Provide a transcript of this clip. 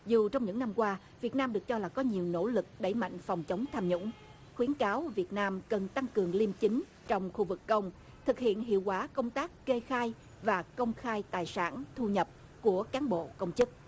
dù trong những năm qua việt nam được cho là có nhiều nỗ lực đẩy mạnh phòng chống tham nhũng khuyến cáo việt nam cần tăng cường liêm chính trong khu vực công thực hiện hiệu quả công tác kê khai và công khai tài sản thu nhập của cán bộ công chức